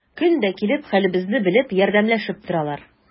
Көн дә килеп, хәлебезне белеп, ярдәмләшеп торалар.